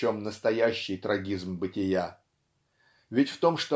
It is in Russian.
в чем настоящий трагизм бытия. Ведь в том